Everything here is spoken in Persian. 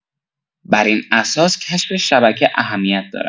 بر این اساس کشف شبکه اهمیت دارد.